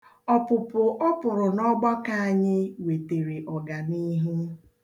Ọpụpụ ọ pụrụ n'ọgbakọ anyị wetere oganiihu.